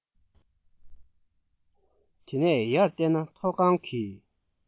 དེ ནས ཡར བལྟས ན ཐོག ཁང གི